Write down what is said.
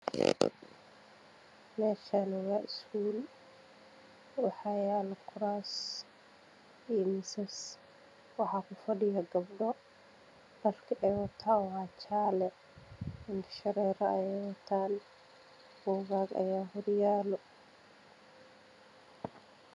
Meeshaan waa iskuul waxaa yaalo kuraasman iyo miisas waxaa kufadhiyo gabdho oo wato dhar jaale iyo indho shareero, buugaag ayaa horyaalo.